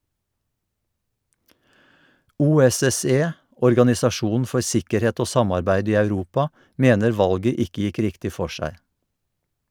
OSSE, Organisasjonen for sikkerhet og samarbeid i Europa, mener valget ikke gikk riktig for seg.